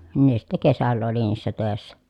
niin ne sitten kesällä oli niissä töissä